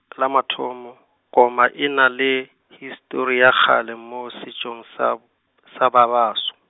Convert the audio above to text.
la mathomo, koma e na le histori ya kgale mo setšong sa, sa ba baso.